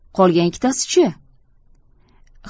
qolgan ikkitasi chi